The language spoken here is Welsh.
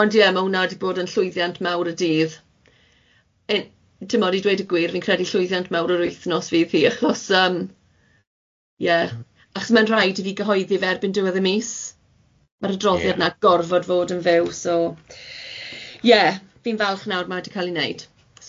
Ond ie ma' hwnna di bod yn llwyddiant mawr y dydd. Ti'mod i dweud y gwir, fi'n credu llwyddiant mawr yr wythnos fydd hi achos yym ie ach's mae'n rhaid i fi gyhoeddi fe erbyn diwedd y mis, ma'r adroddiad 'na gorfod fod yn fyw so ie fi'n falch nawr mae 'di cael ei wneud.